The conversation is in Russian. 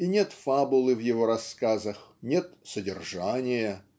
и нет фабулы в его рассказах нет "содержания"